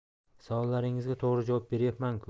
savollaringizga to'g'ri javob beryapman ku